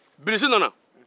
bilisi nana